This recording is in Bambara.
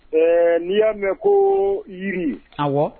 Ɛɛ n'i y'a mɛn ko yiri a